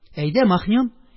Әйдә, махнём,